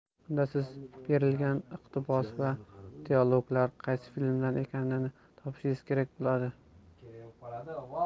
unda siz berilgan iqtibos va dialoglar qaysi filmdan ekanini topishingiz kerak bo'ladi